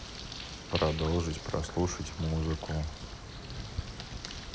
продолжить прослушать музыку